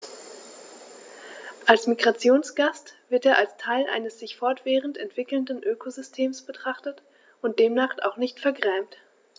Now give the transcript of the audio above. Als Migrationsgast wird er als Teil eines sich fortwährend entwickelnden Ökosystems betrachtet und demnach auch nicht vergrämt.